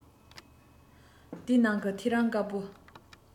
དེའི ནང གི ཐེའུ རང དཀར པོ